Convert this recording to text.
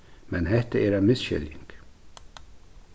men hetta er ein misskiljing